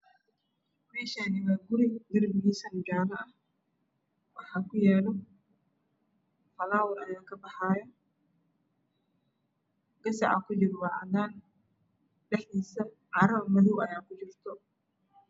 Meshan waa guri darbigin jale ah waxa kabaxayo falwar ayaa kabaxyo gesaca kujiro waa cadan dhaxdisa caro madow ah ayaa kujirto